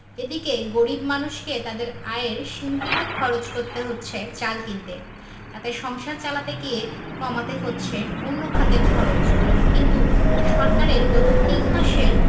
এদিকে গরিব মানুষকে তাঁদের আয়ের সিংহভাগ খরচ করতে হচ্ছে চাল কিনতে তাতে সংসার চালাতে গিয়ে কমাতে হচ্ছে অন্য খাতের খরচ কিন্তু সরকারের গত তিন মাসের